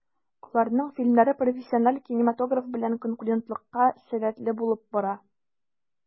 Аларның фильмнары профессиональ кинематограф белән конкурентлыкка сәләтле булып бара.